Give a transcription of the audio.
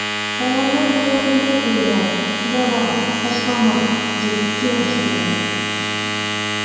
Каләмең өметле күренә, давай, ташлама, дип киңәш бирәләр.